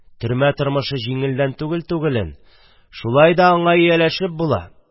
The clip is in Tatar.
Төрмә тормышы җиңелдән түгел түгелен, шулай да аңа да ияләшеп була.